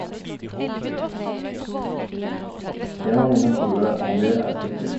En av mine store hobbyer er sykling.